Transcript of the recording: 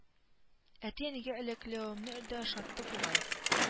Әти-әнигә әләкләмәвемне дә ошатты бугай